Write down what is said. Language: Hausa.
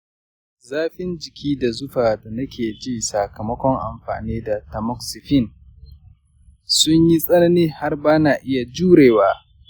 zafin jiki da zufa da nakeji sakamakon anfani da tamoxifen, sun yi tsanani har bana iya jurewa.